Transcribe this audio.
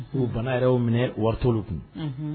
U bana yɛrɛ minɛ waritolu tun